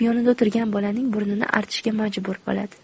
yonida o'tirgan bolaning burnini artishga majbur bo'ladi